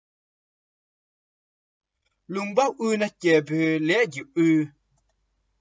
མཚོ མོ འཁྱོམས ན ཉ མོ ལས ཀྱིས འཁྱོམ